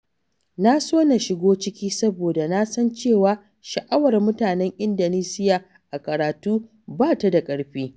Na so na shigo ciki saboda na san cewa, sha'awar mutanen Indonesia a karatu ba ta da ƙarfi.